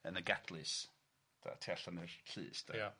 Yn y gadlys de, tu allan y llys de. Ia.